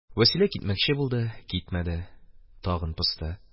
Вәсилә китмәкче булды, китмәде, тагын посты